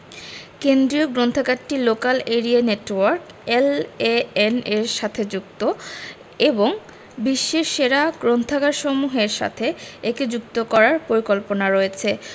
কেন্দ্রীয় গ্রন্থাগারটি local area network LAN এর সাথে যুক্ত এবং বিশ্বের সেরা গ্রন্থাগারসমূহের সাথে একে যুক্ত করার পরিকল্পনা রয়েছে